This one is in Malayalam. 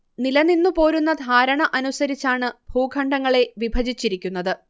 നിലനിന്നു പോരുന്ന ധാരണ അനുസരിച്ചാണ് ഭൂഖണ്ഡങ്ങളെ വിഭജിച്ചിരിക്കുന്നത്